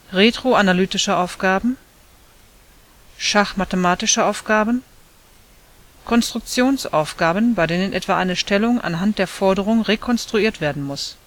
retroanalytische Aufgaben schachmathematische Aufgaben Konstruktionsaufgaben, bei denen etwa eine Stellung anhand der Forderung rekonstruiert werden muss